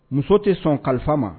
Muso tɛ sɔn kalifa ma